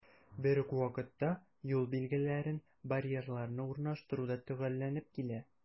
Бер үк вакытта, юл билгеләрен, барьерларны урнаштыру да төгәлләнеп килә.